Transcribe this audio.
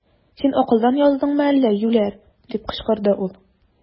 Син акылдан яздыңмы әллә, юләр! - дип кычкырды ул.